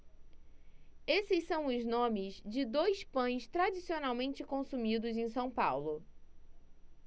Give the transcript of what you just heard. esses são os nomes de dois pães tradicionalmente consumidos em são paulo